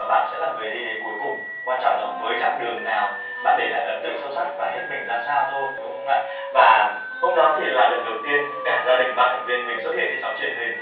bạn sẽ là người đi đến cuối cùng quan trọng là với chặng đường nào bạn để lại ấn tượng sâu sắc và hết mình ra sao thôi đúng không ạ và hôm đó thì là lần đầu tiên cả gia đình ba thành viên mình xuất hiện trên sóng truyền hình